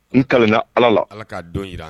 N kalena allah la allah k'a dɔn jira an na!